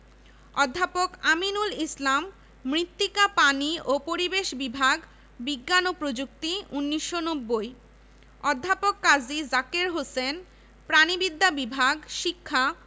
ড. গোবিন্দচন্দ্র দেব মরনোত্তর দর্শন বিভাগ স্বাধীনতা ও মুক্তিযুদ্ধ ২০০৮